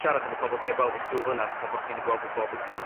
siarad efo pobol ti 'eb weld ers dwy flynadd fatha bo' chdi 'di gweld o bob weekend